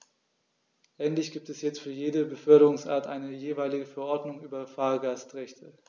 Endlich gibt es jetzt für jede Beförderungsart eine jeweilige Verordnung über Fahrgastrechte.